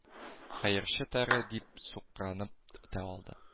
Хәерче тәре дип сукранып та алды